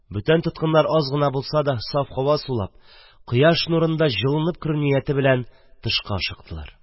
Бүтән тоткыннар аз гына булса да саф һава сулап, кояш нурында җылынып керү нияте белән тышка ашыктылар.